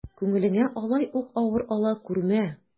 Күңелеңә алай ук авыр ала күрмә.